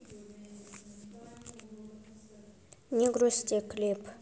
не грусти клип